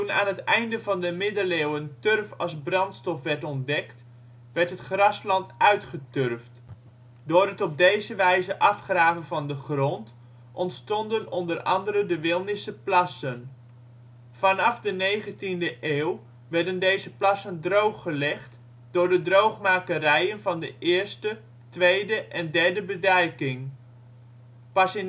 aan het einde van de middeleeuwen turf als brandstof werd ontdekt, werd het grasland uitgeturfd. Door het op deze wijze afgraven van de grond ontstonden onder andere de Wilnisse plassen. Vanaf de 19e eeuw werden deze plassen drooggelegd door de droogmakerijen van de Eerste, Tweede en Derde Bedijking. Pas